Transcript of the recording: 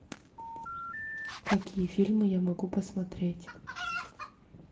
какие фильмы я могу посмотреть